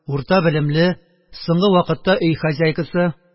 Урта белемле, соңгы вакытта өй хозяйкасы